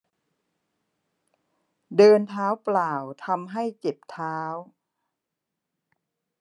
เดินเท้าเปล่าทำให้เจ็บเท้า